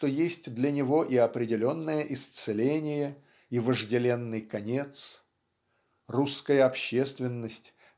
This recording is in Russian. что есть для него и определенное исцеление и вожделенный конец. Русская общественность